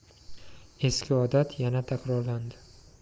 eski odat yana takrorlandi